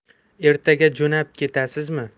ertaga jo'nab ketasizmi